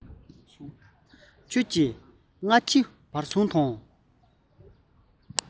ཁྱོད ཀྱིས སྔ ཕྱི བར གསུམ དང